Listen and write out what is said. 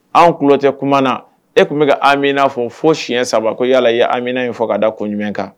Anw kutɛ kuma na e tun bɛ kɛmina fɔ fo siyɛn saba ko yala yemina yen fɔ k ka da ko jumɛn kan